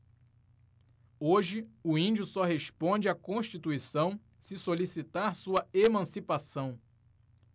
hoje o índio só responde à constituição se solicitar sua emancipação